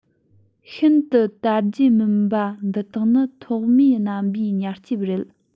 ཤིན ཏུ དར རྒྱས མིན པ འདི དག ནི ཐོག མའི རྣམ པའི ཉ ལྕིབས རེད